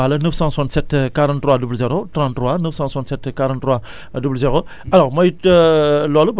di fàttali mbokk yi rek numéro bi 33 la 967 43 00 33 967 43 00